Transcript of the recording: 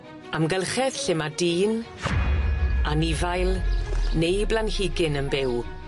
Amgylchedd lle ma' dyn, anifail neu blanhigyn yn byw.